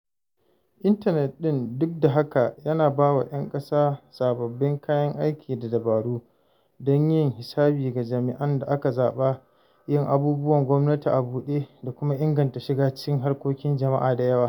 Intanet ɗin, duk da haka, yana bawa ‘yan ƙasa sababbin kayan aiki da dabaru don yin hisabi ga jami’an da aka zaɓa, yin abubuwan gwamnati a buɗe, da kuma inganta shiga cikin harkokin jama’a da yawa.